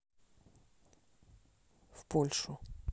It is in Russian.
в польшу